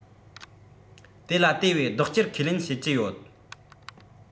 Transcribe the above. དེ ལ དེ བས ལྡོག སྐྱེལ ཁས ལེན བྱེད ཀྱི ཡོད